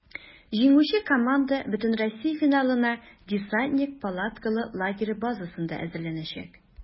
Җиңүче команда бөтенроссия финалына "Десантник" палаткалы лагере базасында әзерләнәчәк.